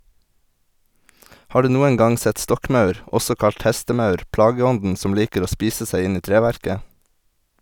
Har du noen gang sett stokkmaur, også kalt hestemaur, plageånden som liker å spise seg inn i treverket?